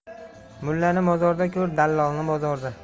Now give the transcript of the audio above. mullani mozorda ko'r dallolni bozorda